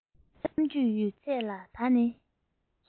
གཏམ རྒྱུད ཡོད ཚད ལ ད ནི